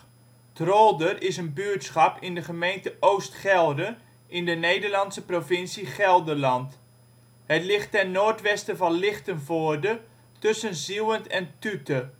t Rolder is een buurtschap in de gemeente Oost Gelre in de Nederlandse provincie Gelderland. Het ligt ten noordwesten van Lichtenvoorde, tussen Zieuwent en Tuute